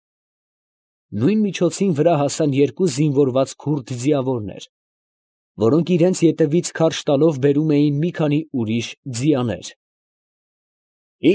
Նույն միջոցին վրա հասան երկու զինվորված քուրդ ձիավորներ, որոնք իրանց ետևից քարշ տալով բերում էին մի քանի ուրիշ ձիաներ։ ֊